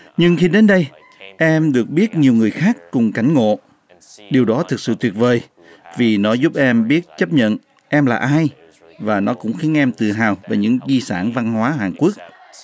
nhưng khi đến đây em được biết nhiều người khác cùng cảnh ngộ điều đó thực sự tuyệt vời vì nó giúp em biết chấp nhận em là ai và nó cũng khiến em tự hào về những di sản văn hóa hàn quốc